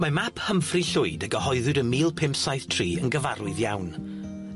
Mae map Humphrey Llwyd y gyhoeddwyd ym mil pump saith tri yn gyfarwydd iawn.